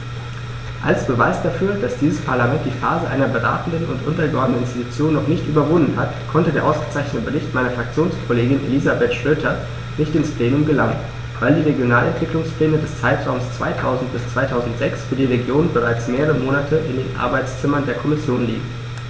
Als Beweis dafür, dass dieses Parlament die Phase einer beratenden und untergeordneten Institution noch nicht überwunden hat, konnte der ausgezeichnete Bericht meiner Fraktionskollegin Elisabeth Schroedter nicht ins Plenum gelangen, weil die Regionalentwicklungspläne des Zeitraums 2000-2006 für die Regionen bereits mehrere Monate in den Arbeitszimmern der Kommission liegen.